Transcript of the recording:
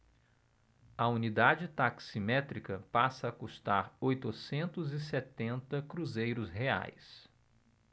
a unidade taximétrica passa a custar oitocentos e setenta cruzeiros reais